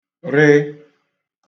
rị